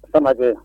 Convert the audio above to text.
Samake